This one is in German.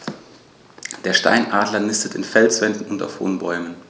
Der Steinadler nistet in Felswänden und auf hohen Bäumen.